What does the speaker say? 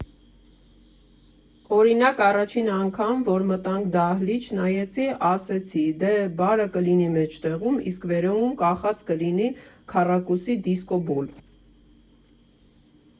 Օրինակ՝ առաջին անգամ, որ մտանք դահլիճ, նայեցի, ասեցի՝ դե բարը կլինի մեջտեղում, իսկ վերևում կախած կլինի քառակուսի դիսկո֊բոլ։